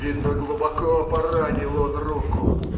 видно, глубоко поранил он руку.